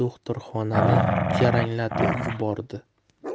do'xtirxonani jaranglatib yubordi